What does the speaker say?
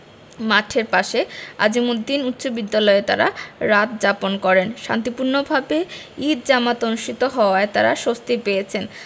মাঠের পাশে আজিমুদ্দিন উচ্চবিদ্যালয়ে তাঁরা রাত যাপন করেন শান্তিপূর্ণভাবে ঈদ জামাত অনুষ্ঠিত হওয়ায় তাঁরা স্বস্তি পেয়েছেন